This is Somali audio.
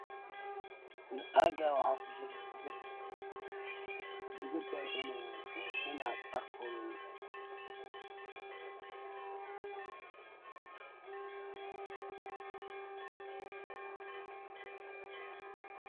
Caagaan waxaa kujiro digir oo nin dhaqaayo.